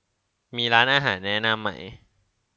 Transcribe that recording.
มีร้านอาหารแนะนำไหม